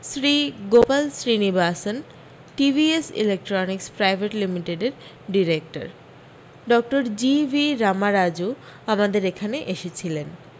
Shri Gopal Srinivasan TVS electronics private লিমিটেডের director doctor G V Ramaraju আমাদের এখানে এসেছিলেন